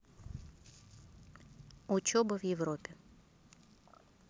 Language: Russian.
учеба в европе